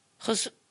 'Chos